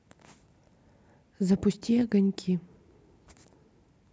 запусти огоньки